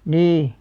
niin